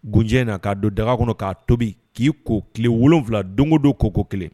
Gjɛ in na k'a don dagagan kɔnɔ k'a tobi k'i ko tile wolon wolonwula don don ko ko kelen